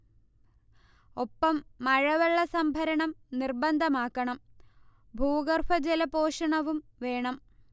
ഒപ്പം മഴവെള്ള സംഭരണം നിർബന്ധമാക്കണം ഭൂഗർഭജലപോഷണവും വേണം